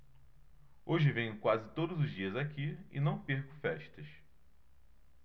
hoje venho quase todos os dias aqui e não perco festas